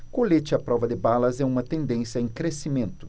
colete à prova de balas é uma tendência em crescimento